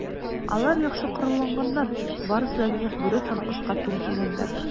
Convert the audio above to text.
Алар яхшы коралланганнар, барысы да мех бүрек һәм кыска тун кигәннәр.